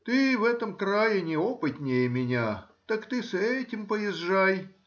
ты в этом крае неопытнее меня, так ты с этим поезжай.